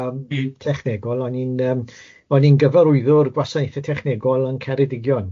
yym technegol o'n i'n yym o'n i'n gyfarwyddwr gwasanaethe technegol yn Ceredigion.